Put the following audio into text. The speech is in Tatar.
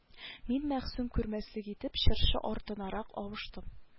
Мин мәгъсүм күрмәслек итеп чыршы артынарак авыштым